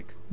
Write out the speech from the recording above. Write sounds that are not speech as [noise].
[hesitation] [hesitation]